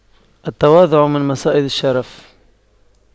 التواضع من مصائد الشرف